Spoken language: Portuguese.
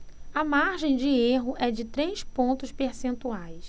a margem de erro é de três pontos percentuais